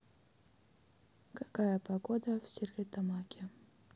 какая погода в стерлитамаке